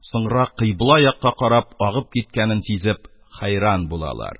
Соңра кыйбла якка карап агып киткәнен сизеп, хәйран булалар.